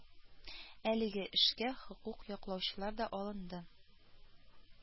Әлеге эшкә хокук яклаучылар да алынды